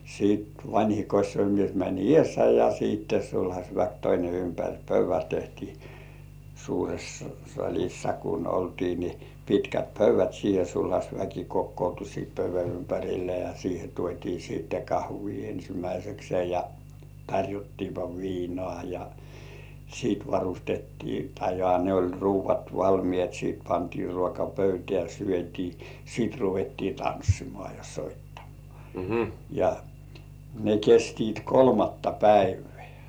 sitten vanhin kosiomies meni edessä ja sitten sulhasväki toinen ympäri pöydän tehtiin suuressa salissa kun oltiin niin pitkät pöydät siihen sulhasväki kokoontui sitten pöydän ympärille ja siihen tuotiin sitten kahvia ensimmäiseksi ja tarjottiinpa viinaa ja sitten varustettiin tai johan ne oli ruuat valmiit sitten pantiin ruoka pöytään syötiin sitten ruvettiin tanssimaan ja soittamaan ja ne kestivät kolmatta päivää